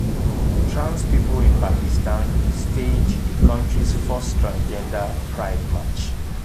Trans people in Pakistan staged the country's first Transgender Pride march.